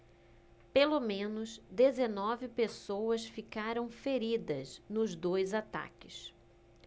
pelo menos dezenove pessoas ficaram feridas nos dois ataques